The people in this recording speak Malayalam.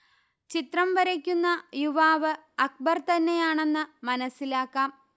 ചിത്രം വരയ്ക്കുന്ന യുവാവ് അക്ബർ തന്നെയാണെന്ന് മനസ്സിലാക്കാം